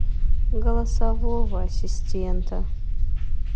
голосового ассистента